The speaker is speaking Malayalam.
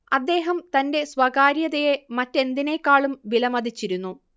അദ്ദേഹം തന്റെ സ്വകാര്യതയെ മറ്റെന്തിനേക്കാളും വിലമതിച്ചിരുന്നു